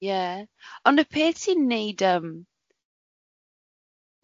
Ie, ond y peth sy'n wneud yym,